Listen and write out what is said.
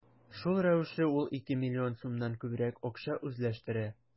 Шул рәвешле ул ике миллион сумнан күбрәк акча үзләштерә.